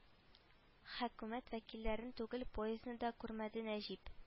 Хөкүмәт вәкилләрен түгел поездны да күрмәде нәҗип